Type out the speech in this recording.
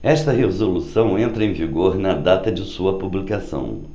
esta resolução entra em vigor na data de sua publicação